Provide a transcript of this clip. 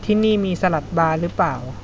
ที่นี่มีสลัดบาร์หรือเปล่า